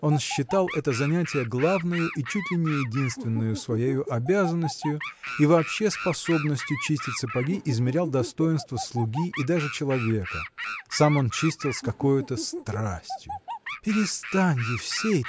Он считал это занятие главною и чуть ли не единственною своею обязанностью и вообще способностью чистить сапоги измерял достоинство слуги и даже человека сам он чистил с какою-то страстью. – Перестань, Евсей!